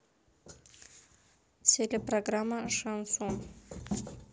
телепрограмма шансон